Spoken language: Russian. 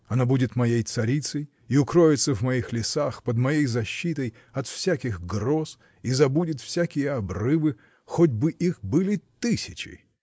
Она будет моей царицей и укроется в моих лесах, под моей защитой, от всяких гроз и забудет всякие обрывы, хоть бы их были тысячи!!